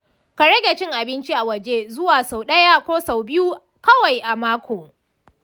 ka rage cin abinci a waje zuwa sau ɗaya ko sau biyu kawai a mako.